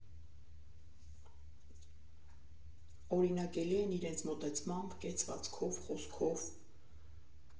Օրինակելի են իրանց մոտեցմամբ, կեցվածքով, խոսքով։